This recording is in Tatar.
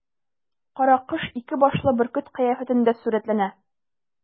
Каракош ике башлы бөркет кыяфәтендә сурәтләнә.